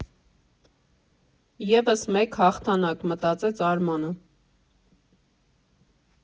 Եվս մեկ հաղթանակ, մտածեց Արմանը։